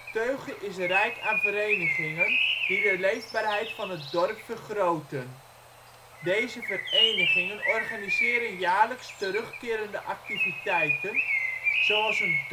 Teuge is rijk aan verenigingen die de leefbaarheid van het dorp vergroten. Deze verenigingen organiseren jaarlijks terugkerende activiteiten zoals een